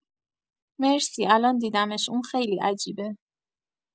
مرسی الان دیدمش اون خیلی عجیبه